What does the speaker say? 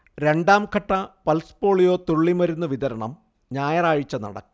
രണ്ടാംഘട്ട pulse polio തുള്ളിമരുന്ന് വിതരണം ഞായറാഴ്ച നടക്കും